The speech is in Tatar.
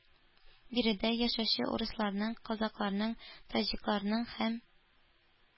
Биредә яшәүче урысларның, казакъларның, таҗикларның һәм